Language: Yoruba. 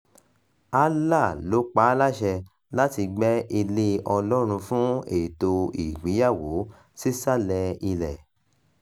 Allah l'ó pa á láṣẹ láti gbẹ́ ilé Ọlọ́run fún ètò ìgbéyàwó sísàlẹ̀ ilẹ̀.